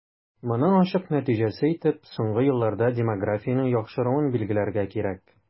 Моның ачык нәтиҗәсе итеп соңгы елларда демографиянең яхшыруын билгеләргә кирәк.